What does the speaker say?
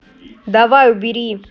давай убери